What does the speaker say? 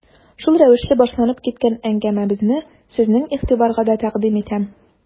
Шул рәвешле башланып киткән әңгәмәбезне сезнең игътибарга да тәкъдим итәм.